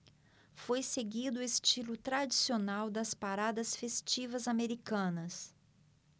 foi seguido o estilo tradicional das paradas festivas americanas